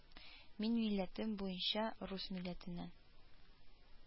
Мин милләтем буенча рус милләтеннән